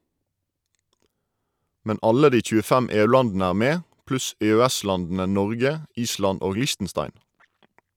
Men alle de 25 EU-landene er med, pluss EØS-landene Norge, Island og Liechtenstein.